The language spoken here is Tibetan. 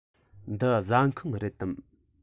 འདི ཟ ཁང རེད དམ